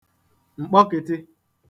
m̀kpọkị̄tị̄